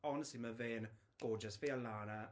Honestly mae fe'n gorgeous. Fe a Lana...